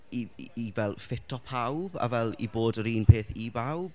i- i- i- fel ffito pawb? A fel, i bod yr un peth i bawb.